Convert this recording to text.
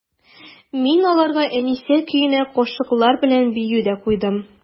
Мин аларга «Әнисә» көенә кашыклар белән бию дә куйдым.